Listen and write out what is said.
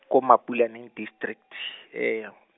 ko Mapulaneng District .